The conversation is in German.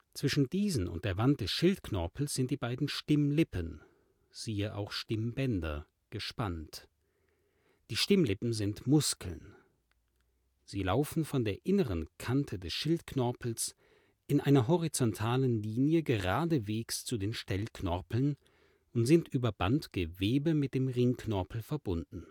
Zwischen diesen und der Wand des Schildknorpels sind die beiden Stimmlippen (siehe auch: Stimmbänder) gespannt. Die Stimmlippen sind Muskeln. Sie laufen von der inneren Kante des Schildknorpels in einer horizontalen Linie geradewegs zu den Stellknorpeln und sind über Bandgewebe mit dem Ringknorpel verbunden